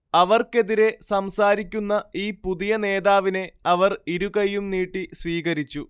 അവർക്കെതിരേ സംസാരിക്കുന്ന ഈ പുതിയ നേതാവിനെ അവർ ഇരുകൈയ്യും നീട്ടി സ്വീകരിച്ചു